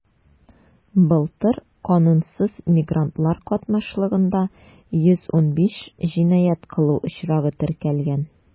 Былтыр канунсыз мигрантлар катнашлыгында 155 җинаять кылу очрагы теркәлгән.